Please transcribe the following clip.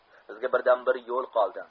bizga birdan bir yo'l qoldi